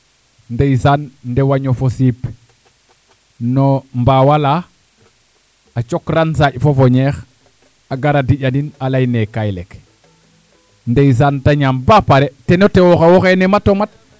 ndeysaan ndew a ñof o siip no mbaawalaa a cokran saaƈ fo fo ñeex a gara diƴanin a layin ne kaay leek ndeysaan te ñaam ba pare ten o tew oxene mat o mat